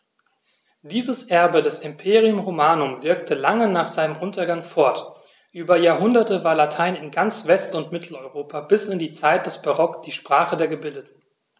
Dieses Erbe des Imperium Romanum wirkte lange nach seinem Untergang fort: Über Jahrhunderte war Latein in ganz West- und Mitteleuropa bis in die Zeit des Barock die Sprache der Gebildeten.